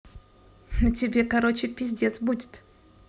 на тебе короче пиздец будет